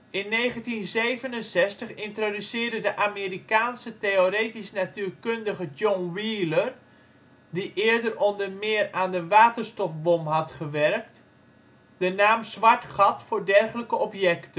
In 1967 introduceerde de Amerikaanse theoretisch natuurkundige John Wheeler - die eerder onder meer aan de waterstofbom had gewerkt - de naam zwart gat voor dergelijke objecten